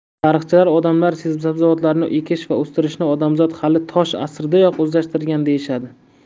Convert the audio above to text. tarixchilar odamlar sabzavotlarni ekish va o'stirishni odamzot hali tosh asridayoq o'zlashtirgan deyishadi